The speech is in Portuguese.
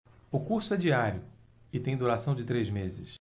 o curso é diário e tem duração de três meses